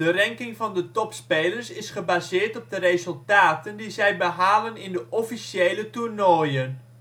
ranking van de topspelers is gebaseerd op de resultaten die zij behalen in de officiële toernooien